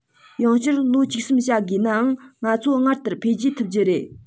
ཡང བསྐྱར ལོ བཅུ གསུམ བྱ དགོས ནའང ང ཚོ སྔར ལྟར འཕེལ རྒྱས ཐུབ རྒྱུ རེད